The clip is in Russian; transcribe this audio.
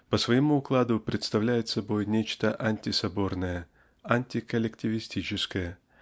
по своему укладу представляет собою нечто антисоборное антиколлективистическое